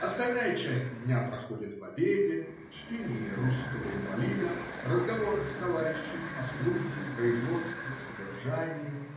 Остальная часть дня проходит в обеде, чтении "Русского инвалида", разговорах с товарищами о службе, производстве, содержании